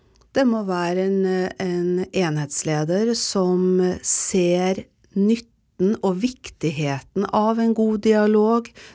det må være en en enhetsleder som ser nytten og viktigheten av en god dialog.